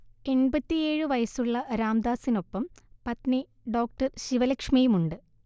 എൺപത്തിയേഴ് വയസ്സുളള രാംദാസിനൊപ്പം പത്നി ഡോ ശിവ ലക്ഷ്മിയുമുണ്ട്